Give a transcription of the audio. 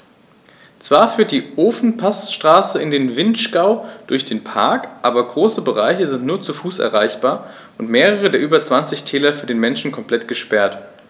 Zwar führt die Ofenpassstraße in den Vinschgau durch den Park, aber große Bereiche sind nur zu Fuß erreichbar und mehrere der über 20 Täler für den Menschen komplett gesperrt.